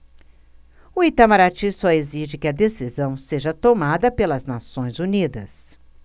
o itamaraty só exige que a decisão seja tomada pelas nações unidas